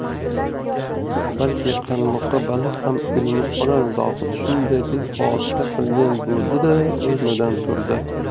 balki qarmoqqa baliq ham ilinib qolar zohid shunday deb fotiha qilgan bo'ldi da o'rnidan turdi